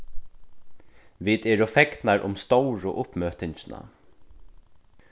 vit eru fegnar um stóru uppmøtingina